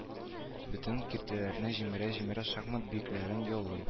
Бөтен киртәләрне җимерә-җимерә шахмат биеклекләрен яулый